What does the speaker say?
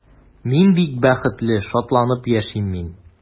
Мин бик бәхетле, шатланып яшим мин.